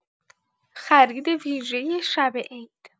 خرید ویژه شب عید